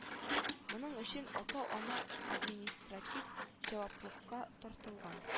Моның өчен ата-ана административ җаваплылыкка тартылган